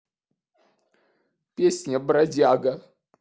песня бродяга